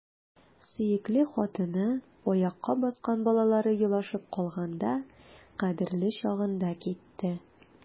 Сөекле хатыны, аякка баскан балалары елашып калганда — кадерле чагында китте!